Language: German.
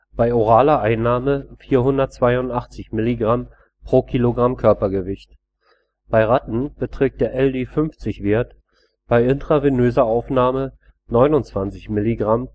bei oraler Einnahme 482 Milligramm pro Kilogramm Körpergewicht; bei Ratten beträgt der LD50-Wert bei intravenöser Aufnahme 29 mg/kg